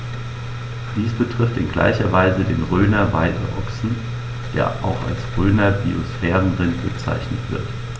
Dies betrifft in gleicher Weise den Rhöner Weideochsen, der auch als Rhöner Biosphärenrind bezeichnet wird.